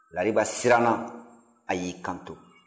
lariba siranna a y'i kanto